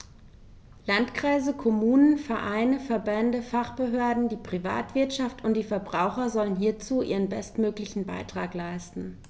Landkreise, Kommunen, Vereine, Verbände, Fachbehörden, die Privatwirtschaft und die Verbraucher sollen hierzu ihren bestmöglichen Beitrag leisten.